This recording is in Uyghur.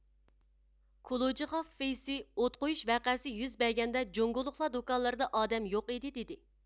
كۇلۇجىخاف فېيسىي ئوت قويۇش ۋەقەسى يۈز بەرگەندە جۇڭگولۇقلار دۇكانلىرىدا ئادەم يوق ئىدى دېدى